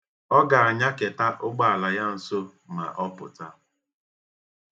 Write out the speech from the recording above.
Ọ ga-anyaketa ụgbọala ya nso ma ọ pụta.